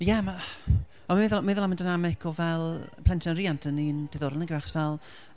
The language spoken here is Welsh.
Ie ma' ma' meddw- meddwl am y dynamic o fel, plentyn a rhiant yn un diddorol nag yw e? Achos fel ...